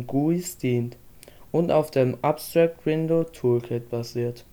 GUI) dient und auf dem Abstract Window Toolkit basiert